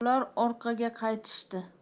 ular orqaga qaytishdi